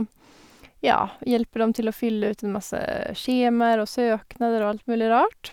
Ja, hjelper dem til å fylle ut en masse skjemaer og søknader og alt mulig rart.